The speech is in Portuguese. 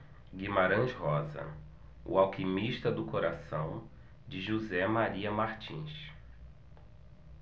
guimarães rosa o alquimista do coração de josé maria martins